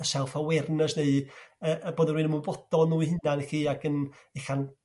y self awareness 'ne i yrr y bod y rywun ymwybodol o nhw 'u hunan ichi ac yn e'lla'n